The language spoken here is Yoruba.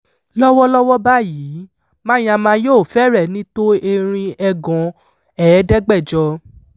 Lọ́wọ́ lọ́wọ́ báyìí, Myanmar yóò fẹ́rẹ̀ẹ́ ní tó erin ẹgàn 1,500.